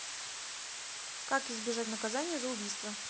как избежать наказания за убийство